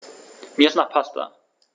Mir ist nach Pasta.